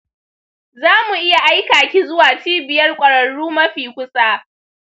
za mu iya aika ki zuwa cibiyar ƙwararru mafi kusa.